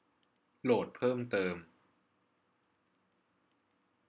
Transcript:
โหลดเพิ่มเติม